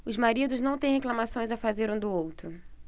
os maridos não têm reclamações a fazer um do outro